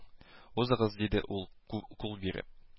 Узыгыз диде ул ку кул биреп